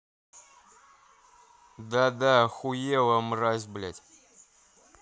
да да охуела мразь блядь